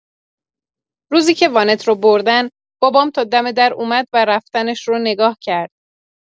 روزی که وانت رو بردن، بابام تا دم دراومد و رفتنش رو نگاه کرد.